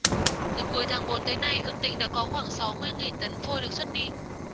từ cuối tháng bốn tới nay ước tính đã có khoảng sáu mươi nghìn tấn phôi được xuất đi